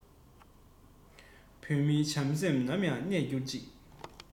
བོད མིའི བྱང སེམས ནམ ཡང གནས འགྱུར ཅིག